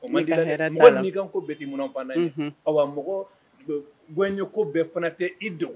O man mɔgɔ niikan ko bɛɛti minnu fana aw mɔgɔ ganye ko bɛɛ fana tɛ i dogo